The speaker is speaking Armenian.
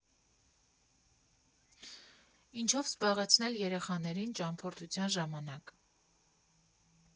Ինչով զբաղեցնել երեխաներին ճամփորդության ժամանակ։